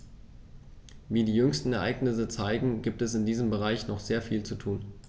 Wie die jüngsten Ereignisse zeigen, gibt es in diesem Bereich noch sehr viel zu tun.